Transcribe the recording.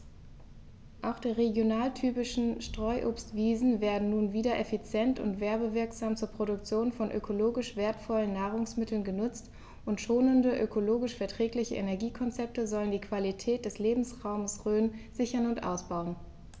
Auch die regionaltypischen Streuobstwiesen werden nun wieder effizient und werbewirksam zur Produktion von ökologisch wertvollen Nahrungsmitteln genutzt, und schonende, ökologisch verträgliche Energiekonzepte sollen die Qualität des Lebensraumes Rhön sichern und ausbauen.